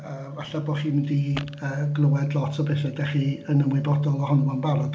Yy falle bod chi'n mynd i yy glywed lot o betha dach chi yn ymwybodol ohono fo'n barod.